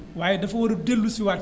waaye dafa war a dellusiwaat